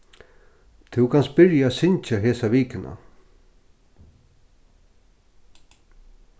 tú kanst byrja at syngja hesa vikuna